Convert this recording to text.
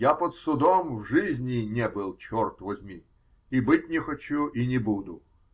Я под судом в жизни не был, черт возьми, и быть не хочу и не буду!